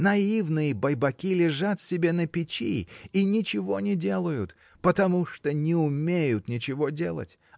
Наивные байбаки лежат себе на печи и ничего не делают, потому что не умеют ничего делать